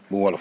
bu wolof